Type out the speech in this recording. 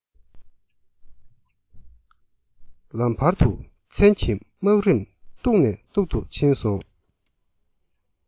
ལམ བར དུ མཚན གྱི སྨག རིམ སྟུག ནས སྟུག ཏུ ཕྱིན སོང